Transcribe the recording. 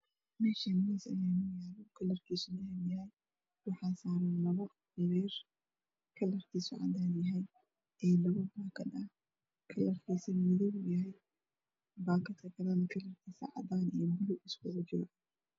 Meeshaan miis ayaa yaalo kalarkiisuna yahay miyaal waxa saaran waxaa saaaran labo dimeer kalarkiisana yahay cadaan iyo labo baakad yahay kalarkiisan madow yahay baakadka kale kalrkiisa cadaan iyo buluug isku jiro